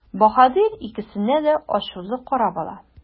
Баһадир икесенә дә ачулы карап ала.